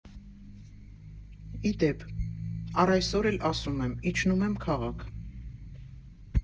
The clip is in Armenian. Ի դեպ, առ այսօր էլ ասում եմ՝ «իջնում եմ քաղաք»։